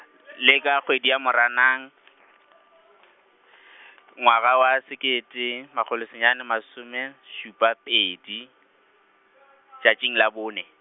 le ka kgwedi ya Moranang , ngwaga wa sekete magolo senyane masomešupa pedi , tšatšing la bonne.